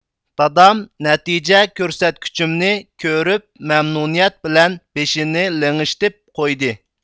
دادام نەتىجە كۆرسەتكۈچىمنى كۆرۈپ مەمنۇنىيەت بىلەن بېشىنى لىڭشىتىپ قويدى